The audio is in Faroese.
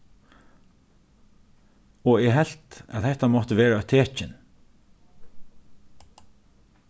og eg helt at hetta mátti vera eitt tekin